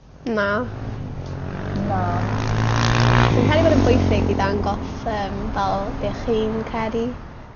Na. Na. Achos fi'n credu bod e'n bwysig i ddangos yym fel be' chi'n credu.